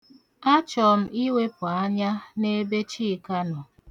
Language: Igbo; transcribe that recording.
Achọ m iwepu anya n'ebe Chika nọ.